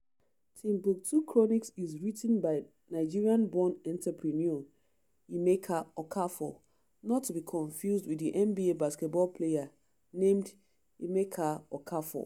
Timbuktu Chronicles is written by Nigerian-born entrepreneur Emeka Okafor, not to be confused with the NBA basketball player named Emeka Okafor.